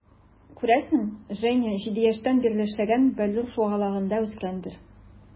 Күрәсең, Женя 7 яшьтән бирле эшләгән "Бәллүр" шугалагында үскәндер.